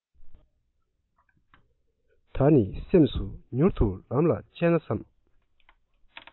ད ནི སེམས སུ མྱུར ཏུ ལམ ལ ཆས ན བསམས